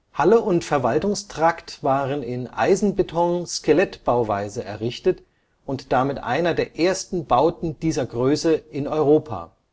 Halle und Verwaltungstrakt waren in Eisenbeton-Skelettbauweise errichtet und damit einer der ersten Bauten dieser Größe in Europa